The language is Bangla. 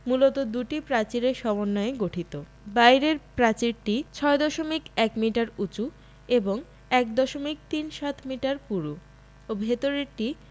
মূলত দুটি প্রাচীরের সমন্বয়ে গঠিত বাইরের প্রাচীরটি ৬দশমিক ১ মিটার উঁচু এবং ১দশমিক তিন সাত মিটার পুরু ও ভেতরেরটি